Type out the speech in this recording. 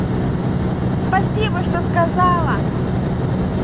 спасибо что сказала